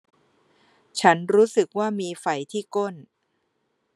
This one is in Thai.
ฉันรู้สึกว่ามีไฝที่ก้น